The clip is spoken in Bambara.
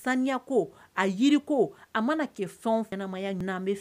Saniya ko a jiriko a mana kɛ fɛnmaya bɛ